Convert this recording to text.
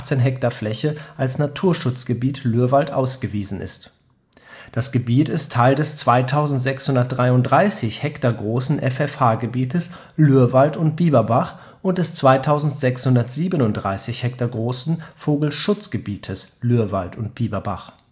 ha Fläche als Naturschutzgebiet Luerwald ausgewiesen ist. Das Gebiet ist Teil des 2633 ha großen FFH-Gebietes Lürwald und Bieberbach und des 2637 ha großen Vogelschutzgebietes Lürwald und Bieberbach